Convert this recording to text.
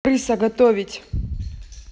крыса готовить